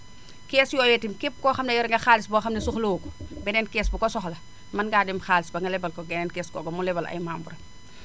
kees yooya itam képp koo xam ne yore nga xaalis boo xam ne soxla woo ko beneen kees bu ko soxla mën ngaa dem xaalis ba nga lebal ko keneen kees googa mu lebal ay membres am